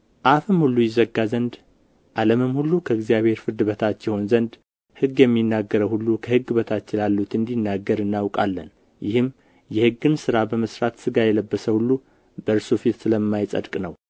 አፍም ሁሉ ይዘጋ ዘንድ ዓለምም ሁሉ ከእግዚአብሔር ፍርድ በታች ይሆን ዘንድ ሕግ የሚናገረው ሁሉ ከሕግ በታች ላሉት እንዲናገር እናውቃለን ይህም የሕግን ሥራ በመሥራት ሥጋ የለበሰ ሁሉ በእርሱ ፊት ስለማይጸድቅ ነው